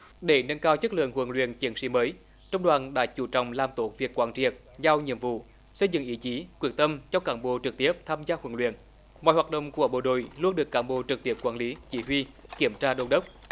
để nâng cao chất lượng huấn luyện chiến sĩ mới trung đoàn đã chú trọng làm tốt việc quán triệt giao nhiệm vụ xây dựng ý chí quyết tâm cho cán bộ trực tiếp tham gia huấn luyện mọi hoạt động của bộ đội luôn được cán bộ trực tiếp quản lý chỉ huy kiểm tra đôn đốc